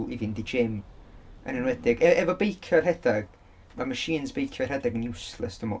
i fynd i gym. Yn enwedig y- efo beicio a rhedeg ma' machines beicio a rhedag yn useless dwi'n meddwl.